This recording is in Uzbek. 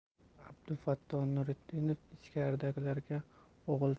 abdufatto nuritdinov ichkaridaligida o'g'il farzandli bo'lgan